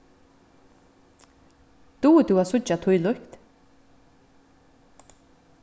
dugir tú at síggja tílíkt